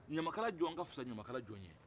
ɲamakala jɔn ka kusa ni ɲamakala jɔn ye